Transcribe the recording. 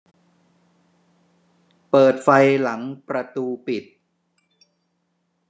เปิดไฟหลังประตูปิด